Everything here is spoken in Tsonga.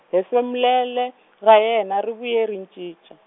hefemulela , ra yena ri vuye ri cinca.